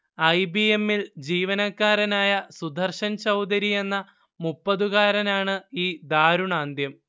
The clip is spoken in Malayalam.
ഐ. ബി. എ. മ്മിൽ ജീവനക്കാരനായ സുദർശൻ ചൗധരി എന്ന മുപ്പത്കാരനാണ് ഈ ദാരുണാന്ത്യം